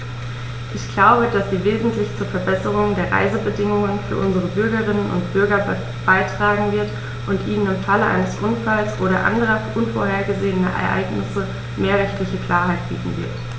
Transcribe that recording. Ich glaube, dass sie wesentlich zur Verbesserung der Reisebedingungen für unsere Bürgerinnen und Bürger beitragen wird, und ihnen im Falle eines Unfalls oder anderer unvorhergesehener Ereignisse mehr rechtliche Klarheit bieten wird.